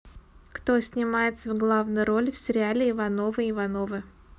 кто снимается в главной роли в сериале ивановы ивановы